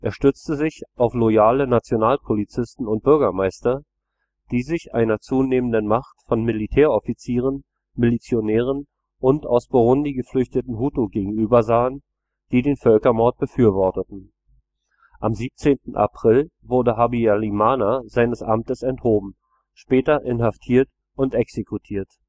stützte sich auf loyale Nationalpolizisten und Bürgermeister, die sich einer zunehmenden Macht von Militäroffizieren, Milizionären und aus Burundi geflüchteten Hutu gegenübersahen, die den Völkermord befürworteten. Am 17. April wurde Habyalimana seines Amtes enthoben, später inhaftiert und exekutiert